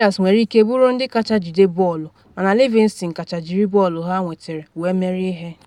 Rangers nwere ike bụrụ ndị kacha jide bọọlụ mana Livingston kacha jiri bọọlụ ha nwetere wee mere ihe.